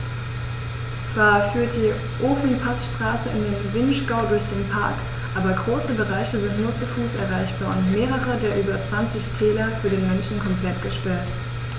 Zwar führt die Ofenpassstraße in den Vinschgau durch den Park, aber große Bereiche sind nur zu Fuß erreichbar und mehrere der über 20 Täler für den Menschen komplett gesperrt.